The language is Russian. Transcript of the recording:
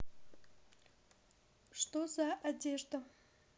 что за одежда